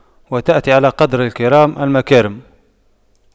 وتأتي على قدر الكرام المكارم